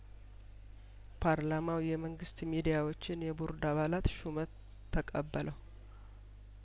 ፓርላማው የመንግስት ሚዲያዎችን የቦርድ አባላት ሹመት ተቀበለው